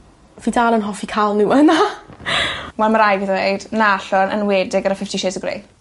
Fi'n dal yn hoffi ca'l n'w yna. Na ma' rai' fi ddweud na allwn enwedig gyda Fifty Shades of Grey.